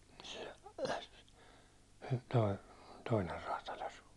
se - toinen räätäli asui